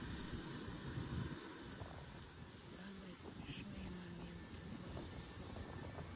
самые смешные моменты про